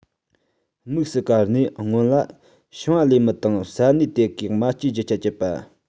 དམིགས སུ བཀར ནས སྔོན ལ ཞིང པ ལས མི དང ས གནས དེ གའི མ བཅོས རྒྱུ ཆ སྤྱད པ